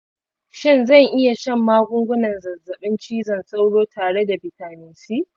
shin zan iya shan magungunan zazzabin cizon sauro tare da bitamin c